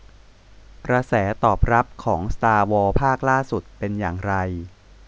กระแสตอบรับของสตาร์วอร์ภาคล่าสุดเป็นอย่างไร